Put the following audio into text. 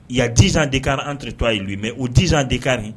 Ya diz dek anre to ye bi mɛ o diz dek